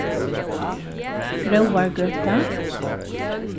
gróvargøta